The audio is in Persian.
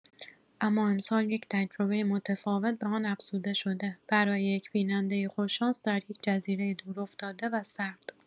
اما امسال یک تجربه متفاوت به آن افزوده‌شده، برای یک بیننده خوش‌شانس در یک جزیره دورافتاده و سرد.